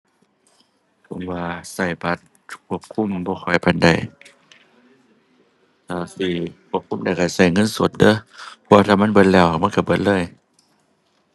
ผมว่าใช้บัตรควบคุมบ่ค่อยปานใด ถ้าสิควบคุมได้ใช้ใช้เงินสดเด้อ เพราะถ้ามันเบิดแล้ว มันใช้เบิดเลย